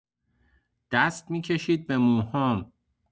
دست می‌کشید به موهام.